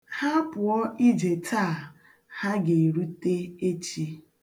Ha pụọ ije taa, ha ga-erute echi.